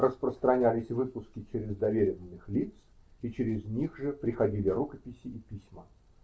Распространялись выпуски через доверенных лиц, и через них же приходили рукописи и письма